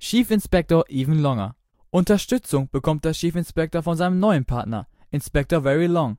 Chief Inspector Even Longer. Unterstützung bekommt der Chief Inspector von seinem neuen Partner Inspector Very Long